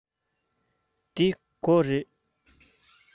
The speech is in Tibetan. འདི སྒོ རེད